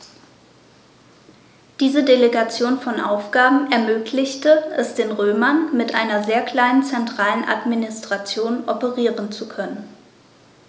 Diese Delegation von Aufgaben ermöglichte es den Römern, mit einer sehr kleinen zentralen Administration operieren zu können.